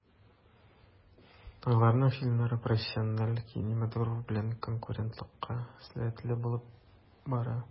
Аларның фильмнары профессиональ кинематограф белән конкурентлыкка сәләтле булып бара.